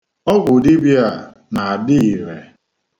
Ọgwụ dibịa a na-adị ire.